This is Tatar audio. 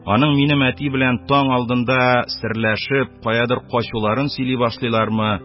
Аның минем әти белән таң алдында серләшеп, каядыр качуларын сөйли башлыйлармы